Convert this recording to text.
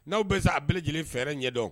N'aw bɛ se a b lajɛlen fɛɛrɛ ɲɛdɔn